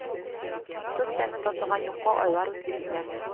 Тоз тәме татыган юкка айлар үтте инде